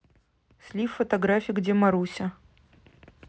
слив фотографий где маруся